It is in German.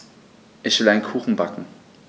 Ich will einen Kuchen backen.